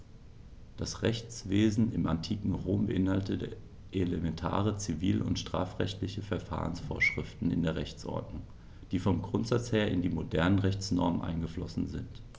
Das Rechtswesen im antiken Rom beinhaltete elementare zivil- und strafrechtliche Verfahrensvorschriften in der Rechtsordnung, die vom Grundsatz her in die modernen Rechtsnormen eingeflossen sind.